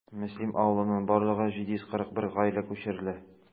Мөслим авылыннан барлыгы 741 гаилә күчерелә.